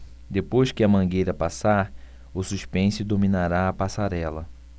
depois que a mangueira passar o suspense dominará a passarela